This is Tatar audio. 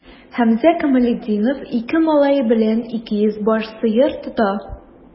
Хәмзә Камалетдинов ике малае белән 200 баш сыер тота.